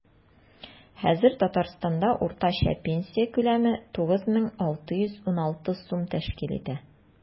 Хәзер Татарстанда уртача пенсия күләме 9616 сум тәшкил итә.